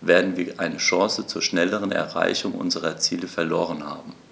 werden wir eine Chance zur schnelleren Erreichung unserer Ziele verloren haben.